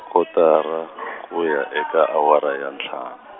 kotara ku ya eka awara ya ntlhanu.